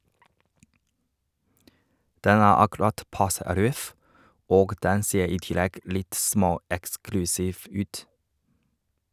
Den er akkurat passe røff, og den ser i tillegg litt småeksklusiv ut.